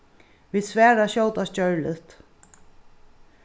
vit svara skjótast gjørligt